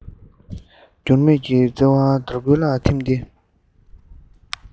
འགྱུར མེད ཀྱི བརྩེ བ ཟླ གུར ལ འཐིམས ཏེ